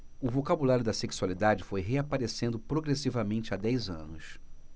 o vocabulário da sexualidade foi reaparecendo progressivamente há dez anos